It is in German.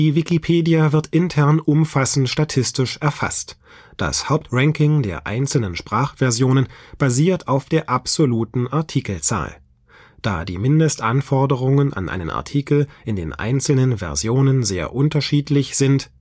Wikipedia wird intern umfassend statistisch erfasst. Das Hauptranking der einzelnen Sprachversionen basiert auf der absoluten Artikelzahl. Da die Mindestanforderungen an einen Artikel in den einzelnen Versionen sehr unterschiedlich sind